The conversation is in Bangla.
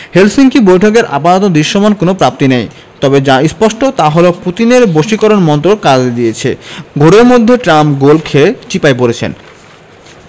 হেলসিঙ্কি বৈঠকের আপাতত দৃশ্যমান কোনো প্রাপ্তি নেই তবে যা স্পষ্ট তা হলো পুতিনের বশীকরণ মন্ত্র কাজ দিয়েছে ঘোরের মধ্যে ট্রাম্প গোল খেয়ে চিপায় পড়েছেন